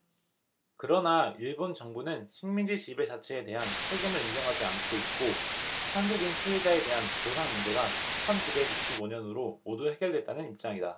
그러나 일본 정부는 식민지 지배 자체에 대한 책임을 인정하지 않고 있고 한국인 피해자에 대한 보상 문제가 천 구백 육십 오 년으로 모두 해결됐다는 입장이다